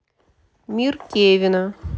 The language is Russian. мир кевина